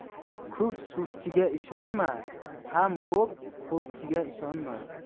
kuf sufchiga ishonsang ham xo'p xo'pchiga ishonma